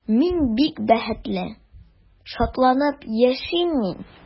Мин бик бәхетле, шатланып яшим мин.